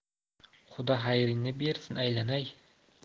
xudo xayringni bersin aylanay